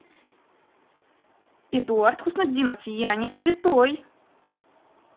эдуард хуснутдинов я не святой